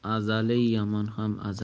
yomon ham azaliy